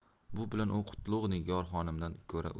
bu bilan u qutlug' nigor xonimdan ko'ra